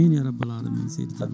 amine ya rabbal alamina seydi Diallo